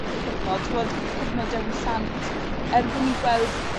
cyfnos t'wod cyfnod Dewi Sant, er bo' ni'n gweld